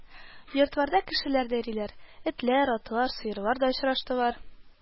Йортларда кешеләр дә йөриләр, этләр, атлар, сыерлар да очраштыра